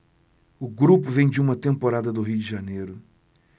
o grupo vem de uma temporada no rio de janeiro